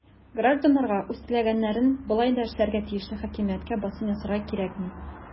Гражданнарга үз теләгәннәрен болай да эшләргә тиешле хакимияткә басым ясарга кирәкми.